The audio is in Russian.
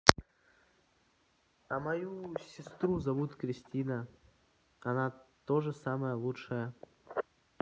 а мою сестру зовут кристина она тоже самая лучшая